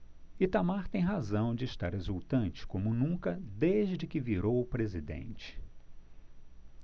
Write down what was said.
itamar tem razão de estar exultante como nunca desde que virou presidente